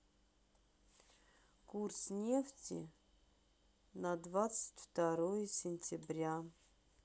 курс нефти двадцать второе сентября